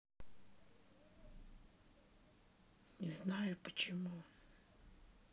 не знаю почему